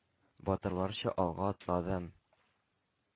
Батырларча алга атладым.